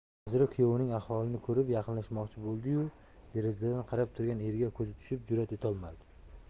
manzura kuyovining ahvolini ko'rib yaqinlashmoqchi bo'ldi yu derazadan qarab turgan eriga ko'zi tushib jur'at etolmadi